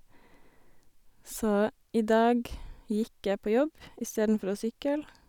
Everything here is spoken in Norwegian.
Så i dag gikk jeg på jobb istedenfor å sykle.